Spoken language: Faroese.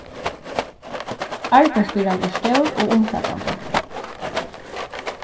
arbeiðsbyrðan er stór og umfatandi